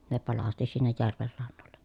ne palasti sinne järven rannoille